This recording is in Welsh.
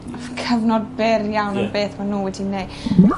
cyfnod byr iawn am beth ma' n'w wedi neu'.